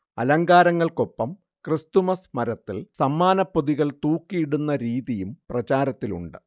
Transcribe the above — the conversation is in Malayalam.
അലങ്കാരങ്ങൾക്കൊപ്പം ക്രിസ്തുമസ് മരത്തിൽ സമ്മാനപ്പൊതികൾ തൂക്കിയിടുന്ന രീതിയും പ്രചാരത്തിലുണ്ട്